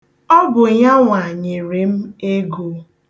Ọ bụ yanwa nyere m ego.